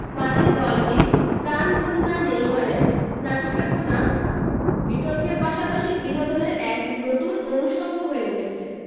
মাঠে দলটির প্রাণভোমরা নেইমারের নাটুকেপনা বিতর্কের পাশাপাশি বিনোদনের এক নতুন অনুষঙ্গ হয়ে উঠেছে